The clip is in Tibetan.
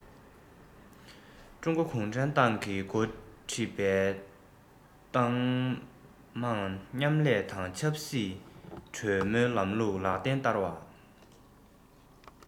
ཀྲུང གོ གུང ཁྲན ཏང གིས འགོ ཁྲིད པའི ཏང མང མཉམ ལས དང ཆབ སྲིད གྲོས མོལ ལམ ལུགས ལག ལེན བསྟར བ